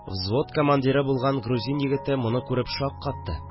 Взвод командиры булган грузин егет моны күреп шаккатты